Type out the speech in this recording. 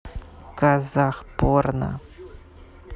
казах порно